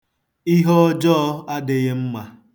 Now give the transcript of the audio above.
Ihe ọjọọ adịghị mma.